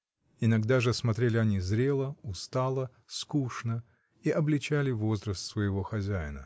Иногда же смотрели они зрело, устало, скучно и обличали возраст своего хозяина.